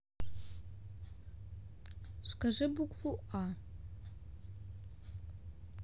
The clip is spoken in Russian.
скажи букву а